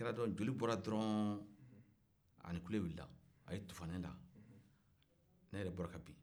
o kɛra dɔrɔn joli bɔra dɔrɔn a ni kule wili la a y'i tufa ne la ne yɛrɛ bɔra ka bin